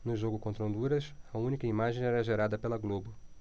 no jogo contra honduras a única imagem era gerada pela globo